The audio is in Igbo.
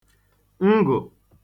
ngụ̀